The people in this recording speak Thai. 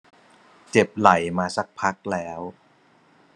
เจ็บไหล่มาสักพักแล้ว